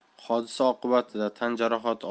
hodisa oqibatida tan jarohati